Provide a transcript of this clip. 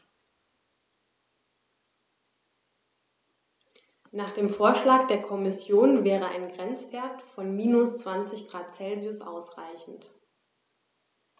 Nach dem Vorschlag der Kommission wäre ein Grenzwert von -20 ºC ausreichend.